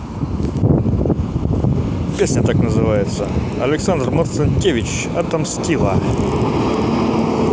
песня так называется александр марцинкевич отомстила